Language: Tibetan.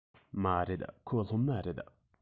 མ རེད ཁོ སློབ མ རེད